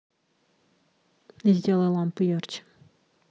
сделай лампу ярче